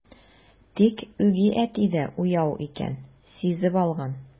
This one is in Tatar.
Тик үги әти дә уяу икән, сизеп алган.